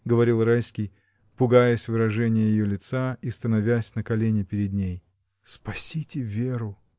— говорил Райский, пугаясь выражения ее лица и становясь на колени перед ней, — спасите Веру.